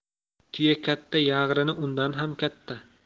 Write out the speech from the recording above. tuya katta yag'rini undan ham katta